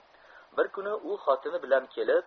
bir kuni u xotini bilan kelib